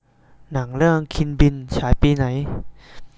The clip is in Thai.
หนังเรื่องคิลบิลฉายปีไหน